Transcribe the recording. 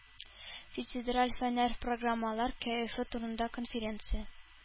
Федераль фэннэр программалар кәефе турында конференция.